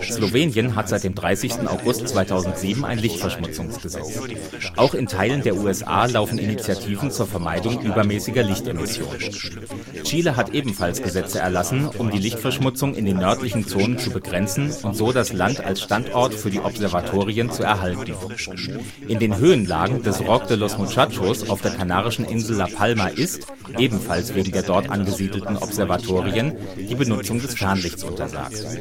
Slowenien hat seit dem 30. August 2007 ein Lichtverschmutzungsgesetz. Auch in Teilen der USA laufen Initiativen zur Vermeidung übermäßiger Lichtemission. Chile hat ebenfalls Gesetze erlassen, um die Lichtverschmutzung in den nördlichen Zonen zu begrenzen und so das Land als Standort für die Observatorien zu erhalten. In den Höhenlagen des Roque de los Muchachos auf der kanarischen Insel La Palma ist − ebenfalls wegen der dort angesiedelten Observatorien − die Benutzung des Fernlichts untersagt